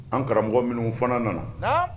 An karamɔgɔ minnu fana nana